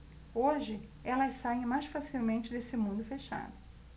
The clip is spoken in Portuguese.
hoje elas saem mais facilmente desse mundo fechado